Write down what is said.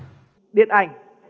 điện ảnh